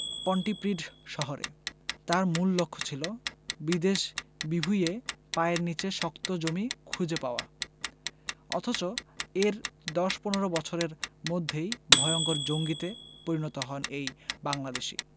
Pontypridd শহরে তাঁর মূল লক্ষ্য ছিল বিদেশ বিভুঁইয়ে পায়ের নিচে শক্ত জমি খুঁজে পাওয়া অথচ এর ১০ ১৫ বছরের মধ্যেই ভয়ংকর জঙ্গিতে পরিণত হন এই বাংলাদেশি